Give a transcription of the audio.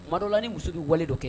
Tuma dɔ la ni muso bɛ wale dɔ kɛ